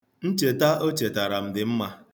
Ncheta o chetara m dị mma.